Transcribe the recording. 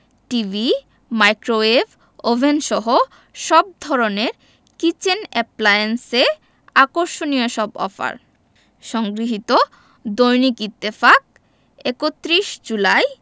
TV microwave ওভেনসহ সব ধরনের কিচেন অ্যাপ্লায়েন্সে আকর্ষণীয় সব অফার সংগৃহীত দৈনিক ইত্তেফাক ৩১ জুলাই